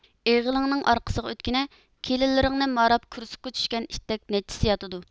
ئېغىلىڭنىڭ ئارقىسىغا ئۆتكىنە كېلىنلىرىڭنى ماراپ كۇرسۇكقا چۈشكەن ئىتتەك نەچچىسى ياتىدۇ